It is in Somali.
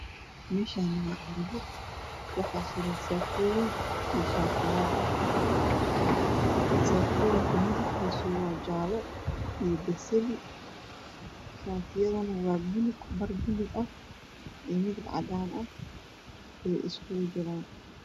Meshani waa carwo waxaa suran sakooyin iyo shatiyal ah sakoyinka midabkoodu waa jalo iyo basali sharakana waa bulug bar bulgu ha iyo mid cadan ah